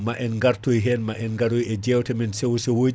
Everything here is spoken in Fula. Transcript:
ma en gartoy hen ma en garoy e jewtemen sewo sewoji